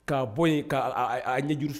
Ka bɔ yen k' a ɲɛ juru sɔrɔ